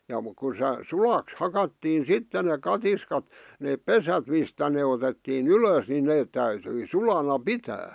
ja mutta kun se sulaksi hakattiin sitten ne katiskat ne pesät mistä ne otettiin ylös niin ne täytyi sulana pitää